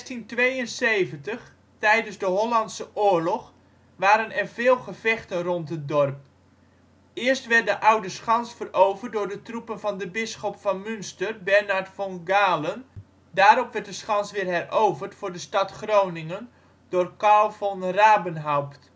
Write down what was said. In 1672, tijdens de Hollandse Oorlog, waren er veel gevechten rond het dorp. Eerst werd de Oudeschans veroverd door de troepen van de bisschop van Münster Bernard von Galen. Daarop werd de schans weer heroverd voor de stad Groningen door Carl von Rabenhaupt